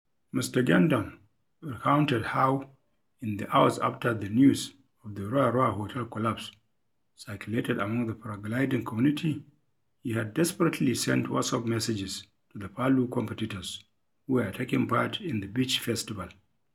Mr. Gendon recounted how, in the hours after the news of the Roa Roa Hotel collapse circulated among the paragliding community, he had desperately sent WhatsApp messages to the Palu competitors, who were taking part in the beach festival.